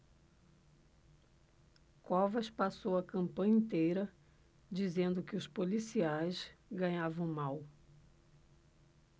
covas passou a campanha inteira dizendo que os policiais ganhavam mal